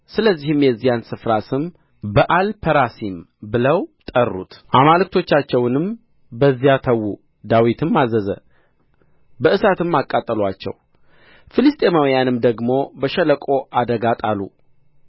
ስለዚህም የዚያን ስፍራ ስም በአልፐራሲም ብለው ጠሩት አማልክቶቻቸውንም በዚያ ተዉ ዳዊትም አዘዘ በእሳትም አቃጠሏቸው ፍልስጥኤማውያንም ደግሞ በሸለቆው አደጋ ጣሉ